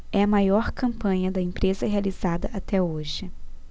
é a maior campanha da empresa realizada até hoje